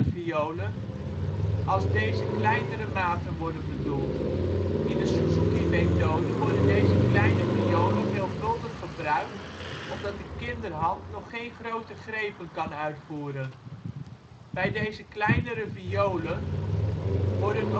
violen als deze kleinere maten worden bedoeld. In de Suzukimethode worden deze kleine violen veelvuldig gebruikt, omdat de kinderhand nog geen grote grepen kan uitvoeren. Bij deze kleinere violen worden